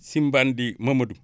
Simbandi Momadou